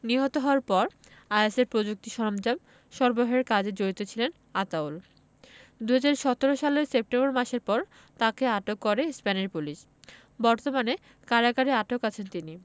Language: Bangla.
নিহত হওয়ার পর আইএসের প্রযুক্তি সরঞ্জাম সরবরাহের কাজে জড়িত ছিলেন আতাউল ২০১৭ সালের সেপ্টেম্বর মাসের পর তাকে আটক করে স্পেনের পুলিশ বর্তমানে কারাগারে আটক আছেন তিনি